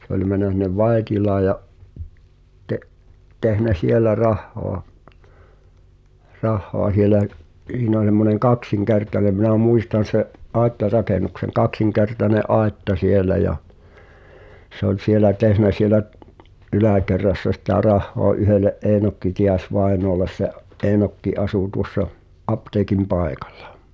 se oli mennyt sinne Vaittilaan ja - tehnyt siellä rahaa rahaa siellä siinä on semmoinen kaksinkertainen minä muistan sen aittarakennuksen kaksinkertainen aitta siellä ja se oli siellä tehnyt siellä yläkerrassa sitä rahaa yhdelle Eenokki Tiais vainajalle se Eenokki asui tuossa apteekin paikalla